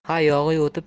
ha yog'iy o'tib